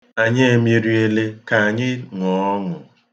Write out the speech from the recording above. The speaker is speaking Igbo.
Anyị emeriele! Ka anyị ṅụọ ọṅụ!